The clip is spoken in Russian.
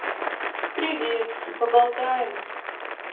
привет поболтаем